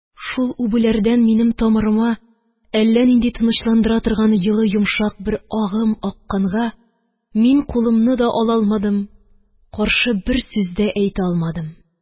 Шул үбүләрдән минем тамырыма әллә нинди тынычландыра торган йылы йомшак бер агым акканга, мин кулымны да ала алмадым, каршы бер сүз дә әйтә алмадым.